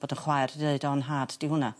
...bod y chwaer 'di deud o 'yn nhad 'di hwnna.